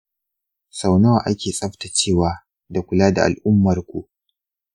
sau nawa ake tsaftacewa da kula da al’ummarku?